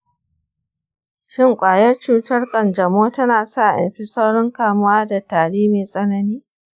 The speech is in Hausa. shin ƙwayar cutar kanjamau tana sa in fi saurin kamuwa da tari mai tsanani?